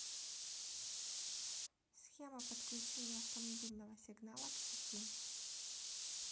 схема подключения автомобильного сигнала к сети